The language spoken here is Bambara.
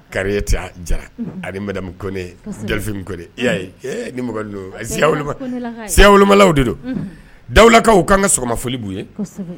Kari jara anidamu dafin kɔni e y'a ye niyaya wolomala de don dawuwulakaw k kan ka sɔgɔma foli b' ye